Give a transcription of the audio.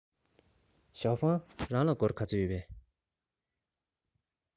ཞའོ ཧྥང རང ལ སྒོར ག ཚོད ཡོད པས